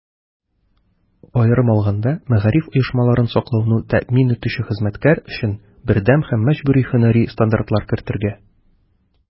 Аерым алганда, мәгариф оешмаларын саклауны тәэмин итүче хезмәткәр өчен бердәм һәм мәҗбүри һөнәри стандартлар кертергә.